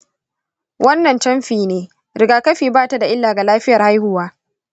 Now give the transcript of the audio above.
wannan camfi ne; rigakafi batada illa ga lafiyar haihuwa